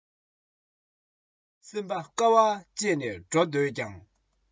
སེམས པ དཀའ བ སྤྱད ནས འགྲོ འདོད ཀྱང